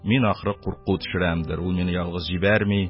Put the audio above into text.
Мин, ахры, курку төшерәмдер: ул мине ялгыз җибәрми,